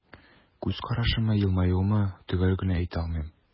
Күз карашымы, елмаюмы – төгәл генә әйтә алмыйм.